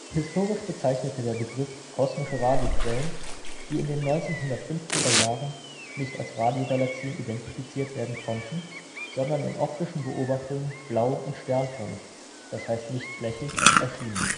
Historisch bezeichnete der Begriff kosmische Radioquellen, die in den 1950er Jahren nicht als Radiogalaxien identifiziert werden konnten, sondern in optischen Beobachtungen blau und " sternförmig " (d. h. nicht flächig) erschienen